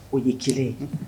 O ye 1 ye unhun